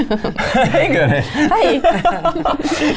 hei Gøril .